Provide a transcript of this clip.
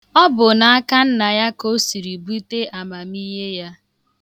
Ọ bụ n'aka nna ya ka o siri bute amamihe ya.